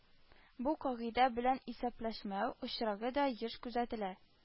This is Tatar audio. Бу кагыйдә белән исәпләшмәү очрагы да еш күзәтелә